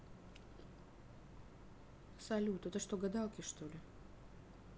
салют это что гадалки что ли